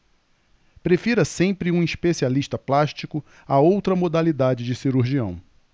prefira sempre um especialista plástico a outra modalidade de cirurgião